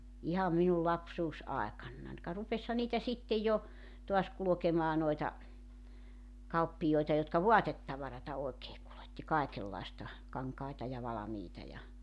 ihan minun lapsuusaikanani ka rupesihan niitä sitten ja taas kulkemaan noita kauppiaita jotka vaatetavaraa oikein kuljetti kaikenlaista kankaita ja valmiita ja